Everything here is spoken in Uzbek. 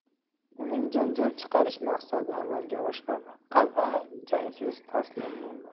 uning janjal chiqarish maqsadi amalga oshmadi qal'a jangsiz taslim bo'ldi